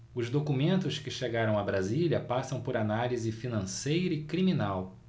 os documentos que chegaram a brasília passam por análise financeira e criminal